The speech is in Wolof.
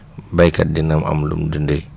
béykat dina am lum dundee